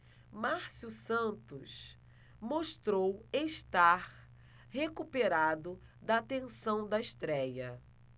márcio santos mostrou estar recuperado da tensão da estréia